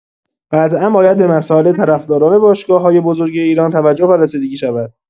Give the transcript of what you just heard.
قطعا باید به مسائل طرفداران باشگاه‌های بزرگ ایران توجه و رسیدگی شود.